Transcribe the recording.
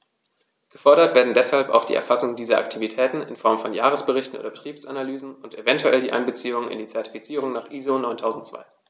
Gefordert werden deshalb auch die Erfassung dieser Aktivitäten in Form von Jahresberichten oder Betriebsanalysen und eventuell die Einbeziehung in die Zertifizierung nach ISO 9002.